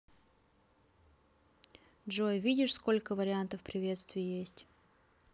джой видишь сколько вариантов приветствий есть